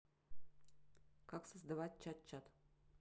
как создавать чат чат